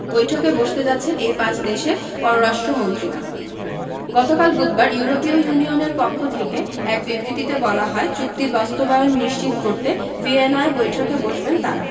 বৈঠকে বসতে যাচ্ছেন এই পাঁচ দেশের পররাষ্ট্রমন্ত্রীরা গতকাল বুধবার ইউরোপীয় ইউনিয়নের পক্ষ থেকে এক বিবৃতিতে বলা হয় চুক্তির বাস্তবায়ন নিশ্চিত করতে ভিয়েনায় বৈঠকে বসবেন তাঁরা